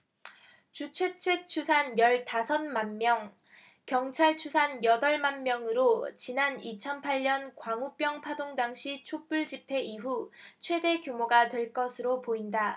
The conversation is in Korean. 주최측 추산 열 다섯 만명 경찰 추산 여덟 만명으로 지난 이천 팔 년 광우병 파동 당시 촛불집회 이후 최대 규모가 될 것으로 보인다